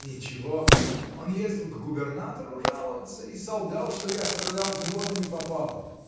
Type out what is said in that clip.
— Ничего: он ездил к губернатору жаловаться и солгал, что я стрелял в него, да не попал.